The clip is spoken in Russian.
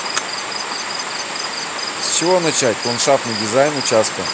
с чего начать ландшафтный дизайн участка